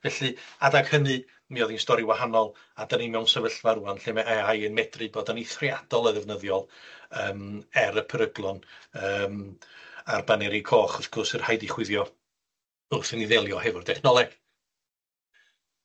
Felly adag hynny, mi o'dd 'i'n stori wahanol a 'dan ni mewn sefyllfa rŵan lle ma' Ay I yn medru bod yn eithriadol o ddefnyddiol yym er y peryglon yym a'r Baneri Coch wrth gwrs, sy rhaid 'u chwifio wrth i ni ddelio hefo'r dechnoleg.